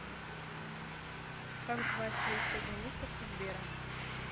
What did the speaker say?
как звать своих программистов и сбера